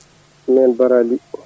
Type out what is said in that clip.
min Bara Ly